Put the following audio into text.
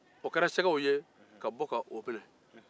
sɛgɛw bɔra ka bilisi ka aladeli kunbɛn